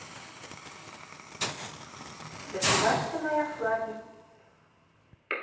государственная флаги